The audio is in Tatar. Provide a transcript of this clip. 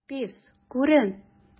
Пивз, күрен!